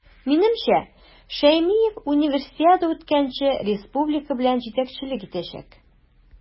Минемчә, Шәймиев Универсиада үткәнче республика белән җитәкчелек итәчәк.